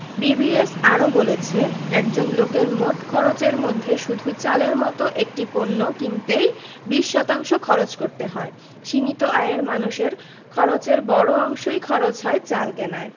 BBS আরও বলছে একজন লোকের মোট খরচের মধ্যে শুধু চালের মতো একটি পণ্য কিনতেই ২০ শতাংশ খরচ করতে হয় সীমিত আয়ের মানুষের খরচের বড় অংশই খরচ হয় চাল কেনায়